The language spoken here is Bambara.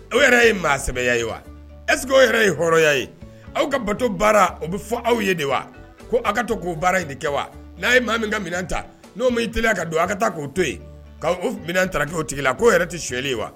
Aw yɛrɛ ye mɔgɔ sɛya ye wa es yɛrɛ ye hɔrɔnya ye aw ka bato baara o bɛ fɔ aw ye de wa ko aw ka to k'o baara ɲini de kɛ wa n'a ye maa min ka minɛn ta n'o maeli ka don aw ka taa k'o to yen ka minɛn takew tigi la k'o yɛrɛ tɛ soli ye wa